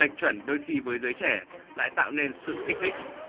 lệch chuẩn đôi khi với giới trẻ lại tạo nên sự kích thích